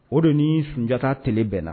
O don ni sunjatadiyaka t bɛnna